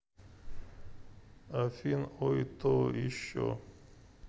афин ой то еще